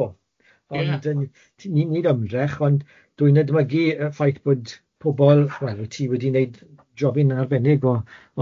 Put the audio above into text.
Ond yn ti ni nid ymdrech ond dwi'n edmygu y ffaith bod pobl wel ti wedi wneud jobyn arbennig o